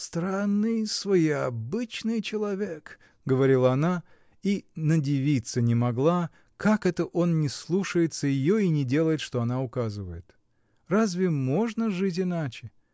— Странный, своеобычный человек, — говорила она и надивиться не могла, как это он не слушается ее и не делает, что она указывает. Разве можно жить иначе?